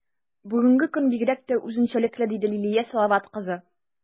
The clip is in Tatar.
Бүгенге көн бигрәк тә үзенчәлекле, - диде Лилия Салават кызы.